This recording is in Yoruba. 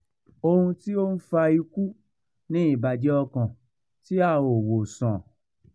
Ohun tí ó ń fa ikú ni ìbàjẹ́ ọkàn tí a ò wò sàn.